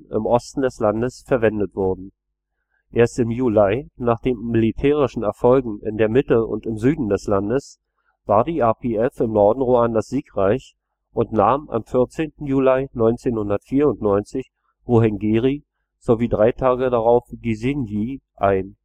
im Osten des Landes verwendet wurden. Erst im Juli, nach den militärischen Erfolgen in der Mitte und im Süden des Landes, war die RPF im Norden Ruandas siegreich und nahm am 14. Juli 1994 Ruhengeri sowie drei Tage darauf Gisenyi ein